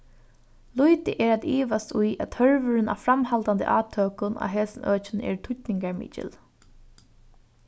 lítið er at ivast í at tørvurin á framhaldandi átøkum á hesum økinum eru týdningarmikil